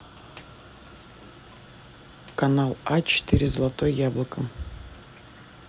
канал а четыре золотое яблоко